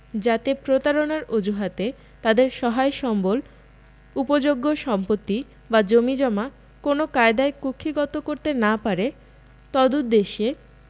যাতে প্রতারণার অজুহাতে তাদের সহায় সম্বল উপযোগ্য সম্পত্তি বা জমিজমা কোনও কায়দায় কুক্ষীগত করতে না পারে তদুদ্দেশে